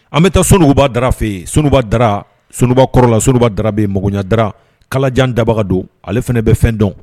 An bɛ taa Sonuguba Dara fɛ in, Sonuguba Dara Sonuguba kɔrɔla, Sonuguba Dara bɛ yen, magonya Dara, kalajan dabaga don ale fana bɛ fɛn dɔn.